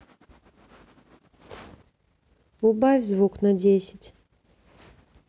убавь звук на десять